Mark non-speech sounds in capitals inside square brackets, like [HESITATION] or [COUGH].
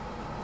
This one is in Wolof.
[HESITATION] [HESITATION]